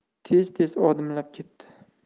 tez tez odimlab ketdi